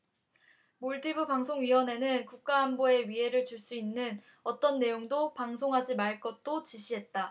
몰디브 방송위원회는 국가안보에 위해를 줄 수 있는 어떤 내용도 방송하지 말 것도 지시했다